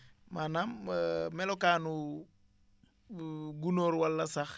maanaam melokaanu gunóor wala sax